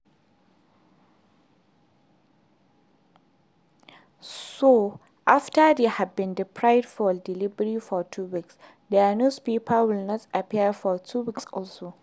So, after they have been deprived of liberty for two weeks, their newspaper will not appear for two weeks also.